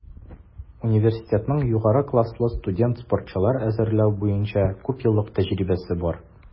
Университетның югары класслы студент-спортчылар әзерләү буенча күпьеллык тәҗрибәсе бар.